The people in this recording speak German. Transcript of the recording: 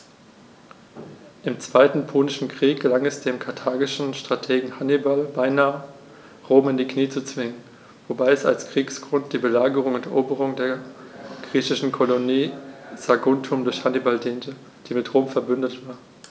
Im Zweiten Punischen Krieg gelang es dem karthagischen Strategen Hannibal beinahe, Rom in die Knie zu zwingen, wobei als Kriegsgrund die Belagerung und Eroberung der griechischen Kolonie Saguntum durch Hannibal diente, die mit Rom „verbündet“ war.